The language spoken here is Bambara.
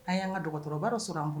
An y'an kakɔrɔba sɔrɔ' an kɔnɔ